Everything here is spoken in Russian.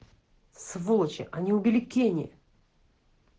сволочи они убили кени